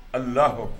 Hali' ka